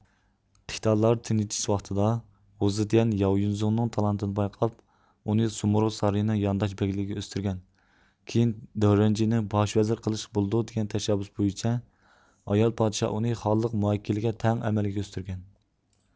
قىتانلار تىنجىتىش ۋاقتىدا ۋۇ زېتيەن ياۋ يۈنزۇڭنىڭ تالانتىنى بايقاپ ئۇنى سۇمرۇغ سارىيىنىڭ يانداش بەگلىكىگە ئۆستۈرگەن كېيىن دېرېنجىنىڭ باش ۋەزىر قىلىشقا بولىدۇ دېگەن تەشەببۇس بويىچە ئايال پادىشاھ ئۇنى خانلىق مۇئەككىلىگە تەڭ ئەمەلگە ئۆستۈرگەن